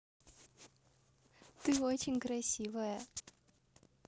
ты очень красивая